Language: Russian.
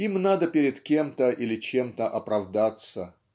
Им надо перед кем-то или чем-то оправдаться.